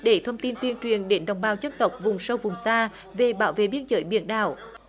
để thông tin tuyên truyền đến đồng bào dân tộc vùng sâu vùng xa về bảo vệ biên giới biển đảo